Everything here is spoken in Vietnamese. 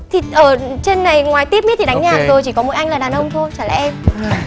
thì ở trên này ngoài tít mít thì đánh nhạc rồi chỉ có mỗi anh là đàn ông thôi chả lẽ em